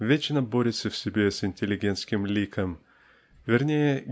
вечно борется в себе с интеллигентским ликом. Вернее